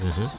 aha